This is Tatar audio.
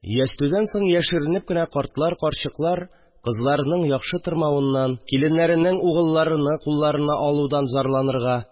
Ястүдән соң яшеренеп кенә картлар, карчыклар кызларының яхшы тормавыннан, киленнәренең угылларыны кулларына алудан зарланырга